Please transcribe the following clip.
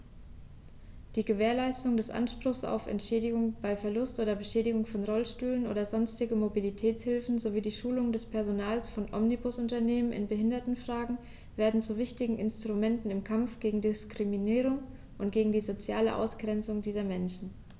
Die Gewährleistung des Anspruchs auf Entschädigung bei Verlust oder Beschädigung von Rollstühlen oder sonstigen Mobilitätshilfen sowie die Schulung des Personals von Omnibusunternehmen in Behindertenfragen werden zu wichtigen Instrumenten im Kampf gegen Diskriminierung und gegen die soziale Ausgrenzung dieser Menschen.